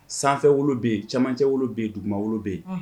Sanfɛ wolo bɛ yen, camancɛ wolo bɛ yen, duguma wolo bɛ yen, unh.